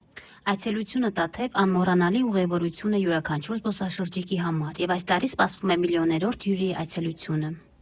Այցելությունը Տաթև անմոռանալի ուղևորություն է յուրաքանչյուր զբոսաշրջիկի համար և այս տարի սպասվում է միլիոներորդ հյուրի այցելությունը.